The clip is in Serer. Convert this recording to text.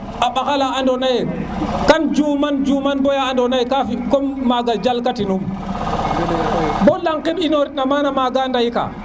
a mbaxa la ando na ye kam juma juman bala andona ye ka comme :framaga jal ka tinum bo lang ke ɓiɓong na mana maga ndey ka